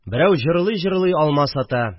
Берәү җырлый-җырлый алма сата